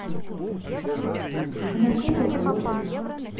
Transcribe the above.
анатолий горин